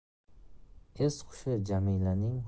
es hushi jamilaning